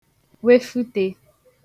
wefùte